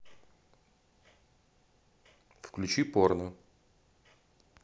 включи порно